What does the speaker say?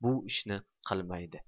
u bu ishni qilmaydi